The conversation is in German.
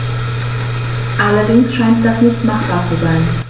Allerdings scheint das nicht machbar zu sein.